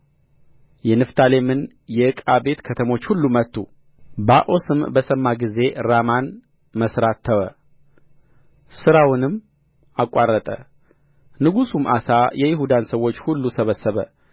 የንፍታሌምን የዕቃ ቤት ከተሞች ሁሉ መቱ ባኦስም በሰማ ጊዜ ራማን መሥራት ተወ ሥራውንም አቋረጠ ንጉሡም አሳ የይሁዳን ሰዎች ሁሉ ሰበሰበ